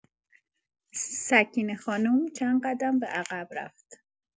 سکینه خانم چند قدم به‌عقب رفت.